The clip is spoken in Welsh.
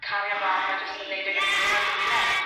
Cario mlan a jyst neud e gyda gwên ar dy wyneb.